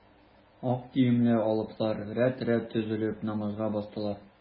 Ак киемле алыплар рәт-рәт тезелеп, намазга бастылар.